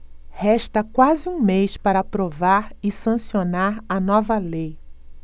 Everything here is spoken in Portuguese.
resta quase um mês para aprovar e sancionar a nova lei